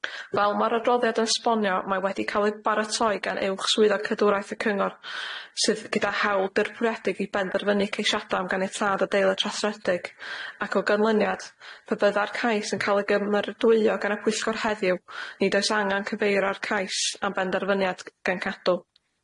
Fel ma'r adroddiad yn sbonio mae wedi ca'l ei baratoi gan uwch swydda' Cadwraeth y Cyngor sydd gyda hawl derbyredig i benderfynu ceisiada' am ganiatâd adeilad rasredig ac o ganlyniad pe bydda'r cais yn ca'l ei gymerydwyo gan y pwyllgor heddiw nid oes angan cyfeirio'r cais am benderfyniad gan Cadw.